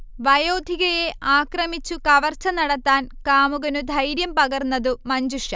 വയോധികയെ ആക്രമിച്ചു കവർച്ച നടത്താൻ കാമുകനു ധൈര്യം പകർന്നതു മഞ്ജുഷ